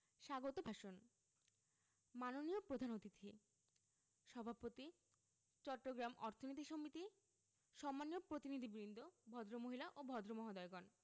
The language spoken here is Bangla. স্বাগত ভাষণ মাননীয় প্রধান অতিথি সভাপতি চট্টগ্রাম অর্থনীতি সমিতি সম্মানীয় প্রতিনিধিবৃন্দ ভদ্রমহিলা ও ভদ্রমহোদয়গণ